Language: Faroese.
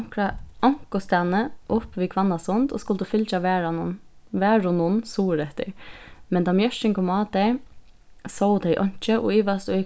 onkustaðni upp við hvannasund og skuldu fylgja varðanum varðunum suðureftir men tá mjørkin kom á tey sóu tey einki og ivaðust í